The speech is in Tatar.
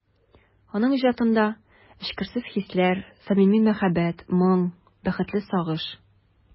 Аның иҗатында эчкерсез хисләр, самими мәхәббәт, моң, бәхетле сагыш...